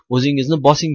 o'zingizni bosing